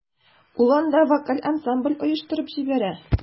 Ул анда вокаль ансамбль оештырып җибәрә.